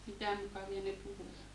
mitä mukavia ne puhuivat